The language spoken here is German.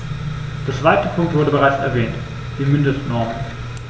Der zweite Punkt wurde bereits erwähnt: die Mindestnormen.